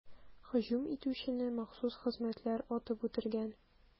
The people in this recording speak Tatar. Һөҗүм итүчене махсус хезмәтләр атып үтергән.